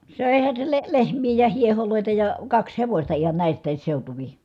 söihän se - lehmiä ja hiehoja ja kaksi hevosta ihan näistäkin seutuvin